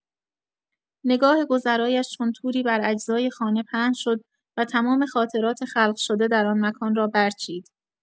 نگاه گذرایش چون توری بر اجزای خانه پهن شد و تمام خاطرات خلق‌شده در آن مکان را برچید.